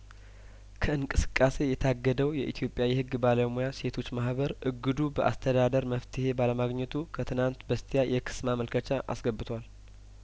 ከእንቅስቃሴ የታገደው የኢትዮጵያ የህግ ባለሙያ ሴቶች ማህበር እግዱ በአስተዳደር መፍትሄ ባለማግኘቱ ከትናንት በስቲያ የክስ ማመልከቻ አስገብቷል